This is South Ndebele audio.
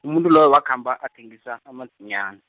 umuntu loyo wakhamba athengisa amadzinyani.